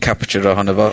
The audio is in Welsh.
...capture ohono fo...